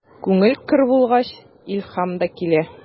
Күңел көр булгач, илһам да килә.